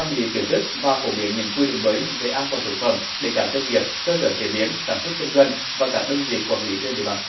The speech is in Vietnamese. trang bị kiến thức và phổ biến những quy định mới về an toàn thực phẩm để các doanh nghiệp cơ sở chế biến sản xuất kinh doanh và các đơn vị quản lý trên địa bàn